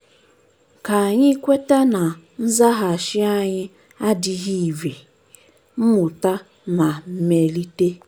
Ka anyị kweta na nzaghachi anyị adịghị irè, mụta ma melite.